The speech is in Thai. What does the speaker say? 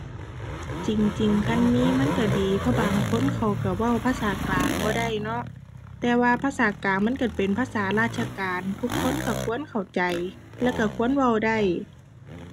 จริงจริงคันมีมันก็ดี เพราะบางคนเขาก็เว้าภาษากลางบ่ได้เนาะ แต่ว่าภาษากลางมันก็เป็นภาษาราชการ ทุกคนก็ควรเข้าใจแล้วก็ควรเว้าได้